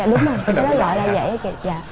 dạ đúng rồi cái đó gọi là dậy đó chị dạ